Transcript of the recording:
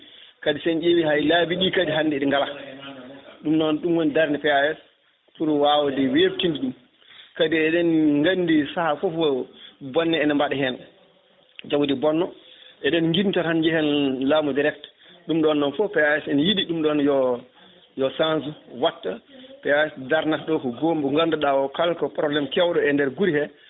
kadi sen ƴewi hay laabi ɗi kadi hande ɗi gaala ɗum noon ɗum woni darde PAS pour wawde webtinde ɗum kadi eɗen gandi saaha foof bonne ene mbaɗa hen jawdi bonna eɗen jimta tan jeehen laamu direct ɗum ɗon noon fo PAS ne yiiɗi ɗum ɗon yo change ju watta PAS darnata ɗo ko gonga ganduɗa o kalko probléme kewɗo e nder guure he